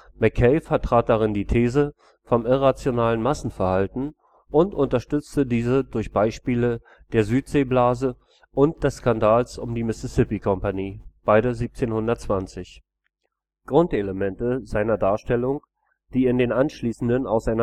Mackay vertrat darin die These vom irrationalen Massenverhalten und unterstützte diese durch die Beispiele der Südseeblase und des Skandals um die Mississippi-Kompanie (beide 1720). Grundelemente seiner Darstellung, die in den anschließenden Auseinandersetzungen